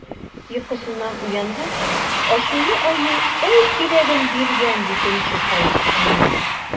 Йокысыннан уянгач, ачулы Аю әй кирәген биргән, ди, көнче Саесканның!